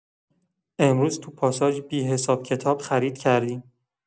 امروز تو پاساژ بی‌حساب کتاب خرید کردیم!